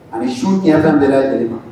A bɛ su ɲɛfan bɛɛ jeliba